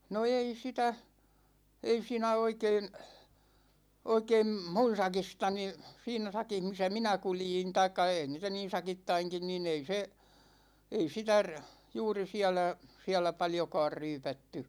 no ei sitä ei siinä oikein oikein minun sakistani siinä sakissa missä minä kuljin tai ei niitä niin sakittainkin niin ei se ei sitä - juuri siellä siellä paljonkaan ryypätty